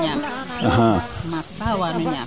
axa o maak sax a waano ñaam